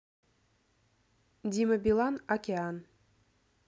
дима билан океан